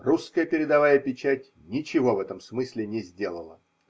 Русская передовая печать ничего в этом смысле не сделала.